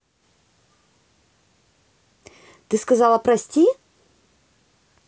ты сказала прости